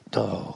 Do?